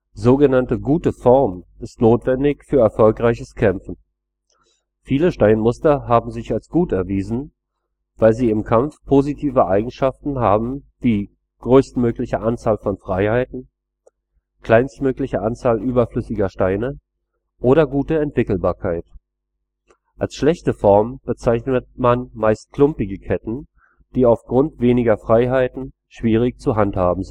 Sogenannte gute Form ist notwendig für erfolgreiches Kämpfen. Viele Steinmuster haben sich als „ gut “erwiesen, weil sie im Kampf positive Eigenschaften haben wie größtmögliche Anzahl von Freiheiten, kleinstmögliche Anzahl überflüssiger Steine oder gute Entwickelbarkeit. Als „ schlechte Form “bezeichnet man meist klumpige Ketten, die aufgrund weniger Freiheiten schwierig zu handhaben